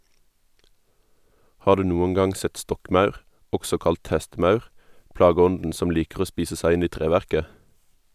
Har du noen gang sett stokkmaur, også kalt hestemaur, plageånden som liker å spise seg inn i treverket?